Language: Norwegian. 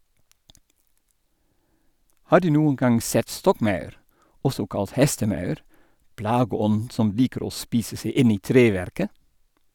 Har du noen gang sett stokkmaur, også kalt hestemaur, plageånden som liker å spise seg inn i treverket?